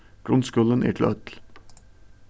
grundskúlin er til øll